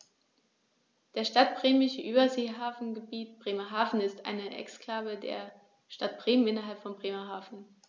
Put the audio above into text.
Das Stadtbremische Überseehafengebiet Bremerhaven ist eine Exklave der Stadt Bremen innerhalb von Bremerhaven.